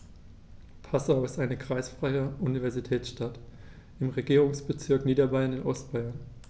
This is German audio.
Passau ist eine kreisfreie Universitätsstadt im Regierungsbezirk Niederbayern in Ostbayern.